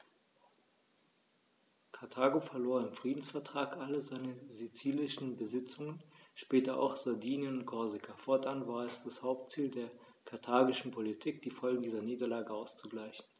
Karthago verlor im Friedensvertrag alle seine sizilischen Besitzungen (später auch Sardinien und Korsika); fortan war es das Hauptziel der karthagischen Politik, die Folgen dieser Niederlage auszugleichen.